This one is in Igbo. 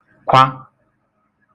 kwa